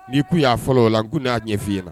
N'i ko y'a fɔlɔ o ola la n ko ne y'a ɲɛfin i ɲɛna na